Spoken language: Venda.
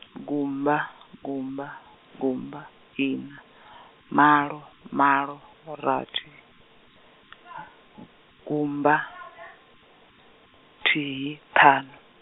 gumba, gumba, gumba, ina, malo, malo, rathi, gumba, thihi, ṱhanu.